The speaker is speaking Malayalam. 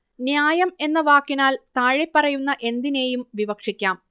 ന്യായം എന്ന വാക്കിനാൽ താഴെപ്പറയുന്ന എന്തിനേയും വിവക്ഷിക്കാം